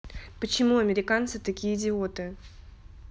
почему американцы такие идиоты